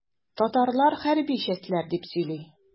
Татарлар хәрби чәстләр дип сөйли.